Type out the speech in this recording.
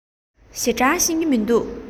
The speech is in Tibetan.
ཞེ དྲགས ཤེས ཀྱི མི འདུག